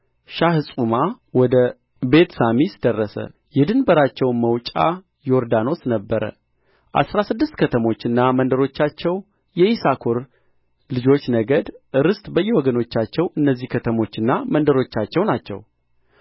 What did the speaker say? ሻሕጹማ ወደ ቤትሳሚስ ደረሰ የድንበራቸውም መውጫ ዮርዳኖስ ነበረ አሥራ ስድስት ከተሞችና መንደሮቻቸው የይሳኮር ልጆች ነገድ ርስት በየወገኖቻቸው እነዚህ ከተሞችና መንደሮቻቸው ናቸው